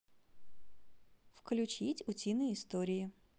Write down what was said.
включить утиные истории